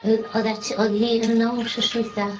O- oddet odd hi yno wshos dwytha.